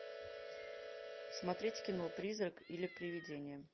смотреть кино призрак или провидение